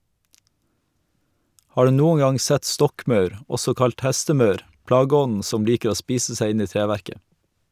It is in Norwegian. Har du noen gang sett stokkmaur , også kalt hestemaur , plageånden som liker å spise seg inn i treverket?